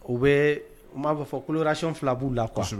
U bɛ na be fɔ- coloration fila bu la kuwa .